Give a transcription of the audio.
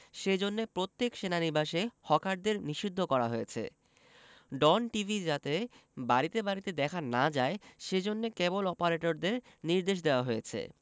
সেজন্যে প্রত্যেক সেনানিবাসে হকারদের নিষিদ্ধ করা হয়েছে ডন টিভি যাতে বাড়িতে বাড়িতে দেখা না যায় সেজন্যে কেবল অপারেটরদের নির্দেশ দেওয়া হয়েছে